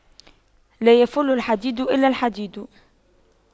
لا يَفُلُّ الحديد إلا الحديد